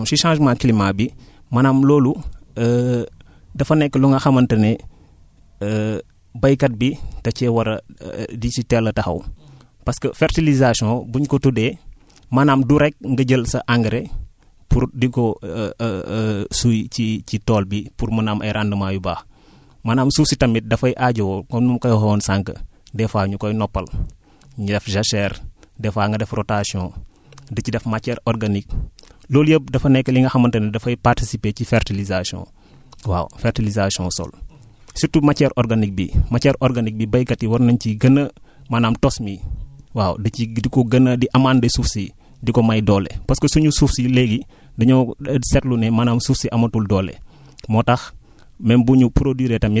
voilà concervation ak fertilisation si changement climat bi maanaam loolu dafa nekk lu nga xamante ne baykat bi da cee war a di si teel a taxaw parce que fertilisation bu ñu ko tuddee maanaam du rekk nga jël sa engrais pour di ko suy ci ci tool bi pour mun a am ay rendements yu baax maanaam suuf si tamit dafay aajowoo comme ni ma ko waxee woon sànq des fois ñu koy noppal ñu def jachère des fois nga def rotation di ci def matière organique loolu yépp dafa nekk li nga xamante ne dafay participer ci fertilisation waaw fertilisation sol surtout matière organique bi matière orgaique bi baykat yi war nañ ci di gën a maanaam tos bi waaw di ci di ko gën a di amander suuf si di ko may doole parce que suñu suuf si léegi dañoo seetlu ne maanaam suuf si amatul doole